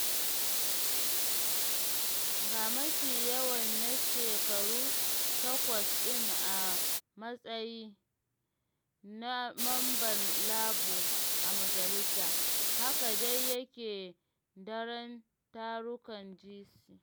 Ga mafi yawan na shekaru takwas ɗin a matsayi na mamban Labour a majalisa, haka dai yake daren tarukan GC.